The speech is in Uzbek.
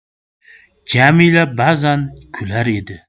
jamila ba'zan kulardi